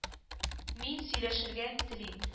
Мин сөйләшергә телим…